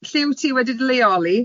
Lle wyt ti wedi dy leoli?